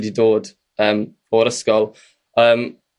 'di dod yym o'r ysgol a